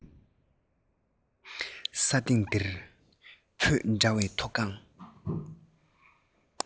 ས སྟེང འདིར འཕོས འདྲ བའི མཐོ སྒང